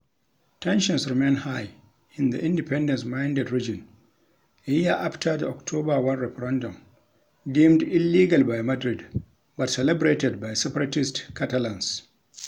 Tensions remain high in the independence-minded region a year after the October 1 referendum deemed illegal by Madrid but celebrated by separatist Catalans.